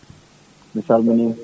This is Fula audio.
mi salminima